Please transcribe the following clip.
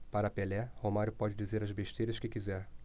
para pelé romário pode dizer as besteiras que quiser